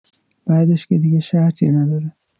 بعدش که دیگه شرطی نداره